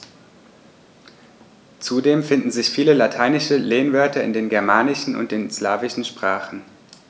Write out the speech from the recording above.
Zudem finden sich viele lateinische Lehnwörter in den germanischen und den slawischen Sprachen.